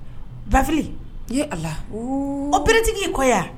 Bafiri a la o beretigi kɔ